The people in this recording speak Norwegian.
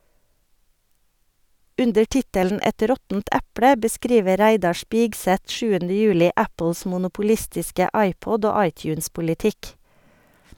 Under tittelen "Et råttent eple" beskriver Reidar Spigseth 7. juli Apples monopolistiske iPod- og iTunes-politikk.